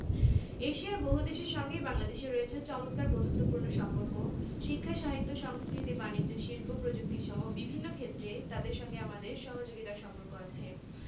১৯৭১ সালের মহান মুক্তিযুদ্ধে ভারতের সহায়তার কথা আমরা শ্রদ্ধার সাথে স্মরণ করি চীনঃ চীন পূর্ব এশিয়ার একটি দেশ এর রাষ্ট্রীয় নাম গণপ্রজাতন্ত্রী চীন আর স্থানীয় নাম ঝুংঘু